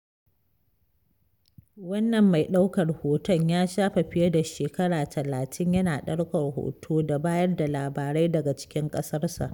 Wannan mai ɗaukar hoton ya shafe fiye da shekara 30 yana ɗaukar hoto da bayar da labarai daga cikin ƙasarsa.